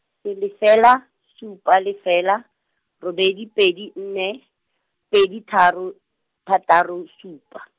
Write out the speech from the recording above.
e lefela, supa lefela, robedi pedi nne, pedi tharo, thataro supa.